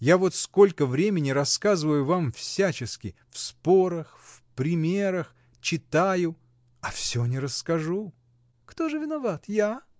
Я вот сколько времени рассказываю вам всячески: в спорах, в примерах, читаю. а всё не расскажу. — Кто ж виноват, — я?